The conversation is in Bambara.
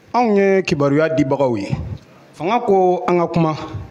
Anw ye kibaruya di bagaw ye fanga ko an ka kuma